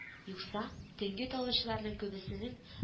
Юкса, төнге талаучыларның күбесенең